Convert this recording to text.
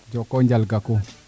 njokonjal Gakou `